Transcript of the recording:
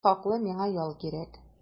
Сез хаклы, миңа ял кирәк.